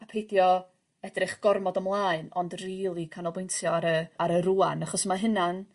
A peidio edrych gormod ymlaen ond rili canolbwyntio ar y ar y rŵan achos ma' hynna'n